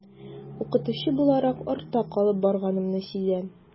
Укытучы буларак артта калып барганымны сизәм.